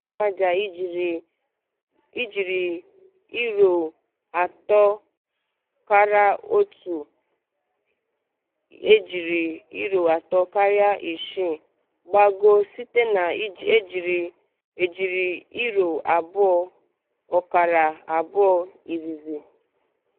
Ekwuru na oruola ihe mmaja ijeri €3.1 (ijeri $3.6) - gbagoo site na ijeri €2.2 izizi.